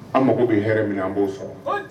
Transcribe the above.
An mago bɛ hɛrɛ min na , an b'o sɔrɔ, bali